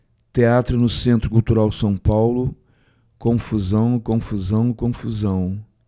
teatro no centro cultural são paulo confusão confusão confusão